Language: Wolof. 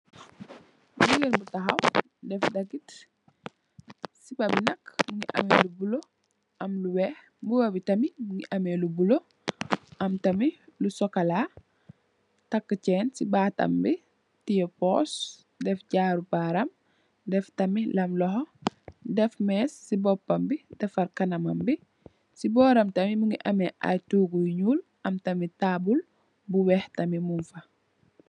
Jigéen bu tahaw def dagit, sipa bi nak mungi ameh lu bulo, am lu weeh, mbuba bi tamit mungi ameh lu bulo am tamit lu sokola. Takk chenn ci bataam bi tè puss def jaaro baram, def tamit lam loho, def mèss ci boppam bi, defar kanamam bi. Ci boram tamit mungi ameh ay toogu yu ñuul, am tamit taabul bu weeh tamit mung fa